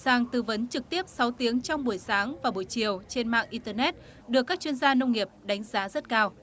sang tư vấn trực tiếp sáu tiếng trong buổi sáng và buổi chiều trên mạng in tơ nét được các chuyên gia nông nghiệp đánh giá rất cao